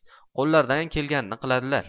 qo'llaridan kelganini qiladilar